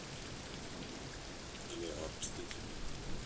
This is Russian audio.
кино лего мстители